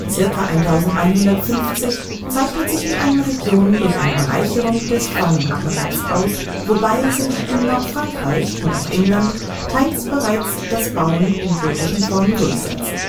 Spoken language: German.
ca. 1150) zeichnet sich in allen Regionen durch eine Bereicherung des Formenapparates aus, wobei sich in Nordfrankreich und auch England teils bereits das Bauen in gotischen Formen durchsetzt